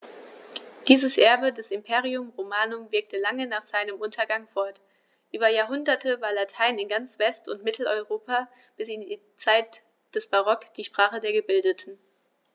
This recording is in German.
Dieses Erbe des Imperium Romanum wirkte lange nach seinem Untergang fort: Über Jahrhunderte war Latein in ganz West- und Mitteleuropa bis in die Zeit des Barock die Sprache der Gebildeten.